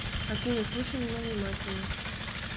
афина послушай меня внимательно